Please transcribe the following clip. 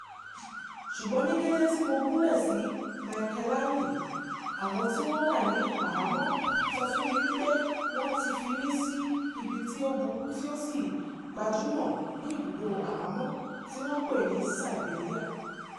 Ṣùgbọ́n ní kété tí mo gúnlẹ̀ sí Maekelawi, àwọn tí wọ́n wà ní àhámọ́ sọ fún mi pé wọ́n ti fi mí sí ibi tí ó burú tí ó sì gbajúmò ní ibùdó àhámọ́, tí wọn ń pè ní "Siberia".